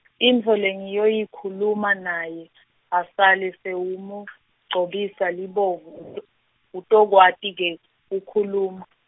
intfo lengiyoyikhuluma naye , asale sewumugcobisa libovu ut-, utokwati ke, kukhuluma.